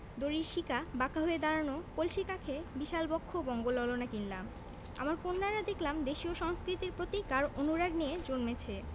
দড়ির শিকা বাঁকা হয়ে দাঁড়ানো কলসি কাঁখে বিশাল বক্ষ বঙ্গ ললনা কিনলাম আমার কন্যারা দেখলাম দেশীয় সংস্কৃতির প্রতি গাঢ় অনুরাগ নিয়ে জন্মেছে